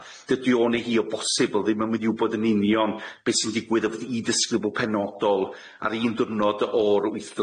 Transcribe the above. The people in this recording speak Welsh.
dydi o neu hi o bosibl ddim yn myn' i wbod yn union be' sy'n digwydd yf- i ddisgybl penodol ar un dwrnod o'r wythnos.